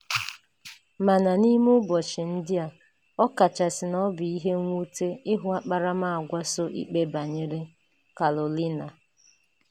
Mana n'ime ụbọchị ndị a, ọkachasị na ọ bụ ihe mwute ịhụ akparamaagwa so ikpe banyere Carolina ...